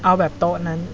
เอาเหมือนโต๊ะนั้น